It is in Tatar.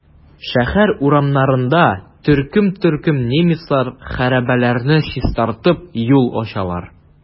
Шәһәр урамнарында төркем-төркем немецлар хәрабәләрне чистартып, юл ачалар.